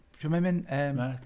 Sut mae'n mynd yym?